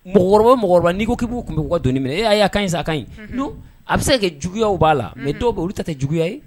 Mɔgɔkɔrɔbabɔ mɔgɔkɔrɔba nko k'' tun bɛ don minɛ e y'a' ka sa ɲi don a bɛ se ka kɛ juguyayaw b'a la to olu ta tɛ juguya ye